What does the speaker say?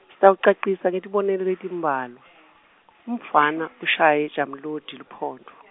sitawucacisa ngetibonelo letimbalwa, umfana, ushaye, Jamludi luphondvo.